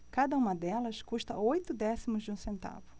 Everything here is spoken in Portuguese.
cada uma delas custa oito décimos de um centavo